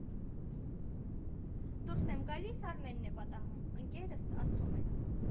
Դուրս եմ գալիս, Արմենն է պատահում՝ ընկերս, ասում է.